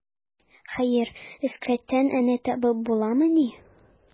Хәер, эскерттән энә табып буламыни.